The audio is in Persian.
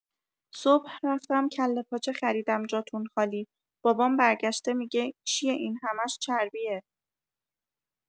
صبح رفتم کله‌پاچه خریدم جاتون خالی بابام برگشته می‌گه چیه این همش چربیه